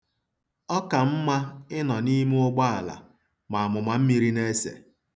Ọ ka mma ịnọ n'ime ụgbọala ma amụmammiri na-ese.